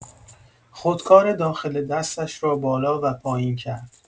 خودکار داخل دستش را بالا و پایین کرد.